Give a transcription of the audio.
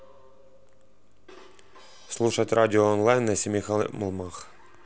слушать радио онлайн на семи холмах